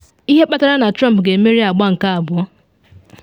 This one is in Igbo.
Ihe Kpatara Na Trump Ga-emeri Agba Nke Abụọ